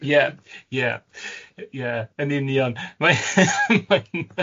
Ie. Ie. Ie. Yn union